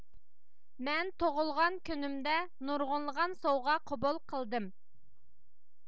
مەن تۇغۇلغان كۈنۈمدە نۇرغۇنلىغان سوۋغا قوبۇل قىلدىم